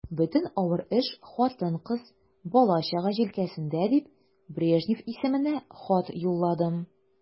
Бөтен авыр эш хатын-кыз, бала-чага җилкәсендә дип, Брежнев исеменә хат юлладым.